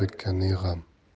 o'rdakka ne g'am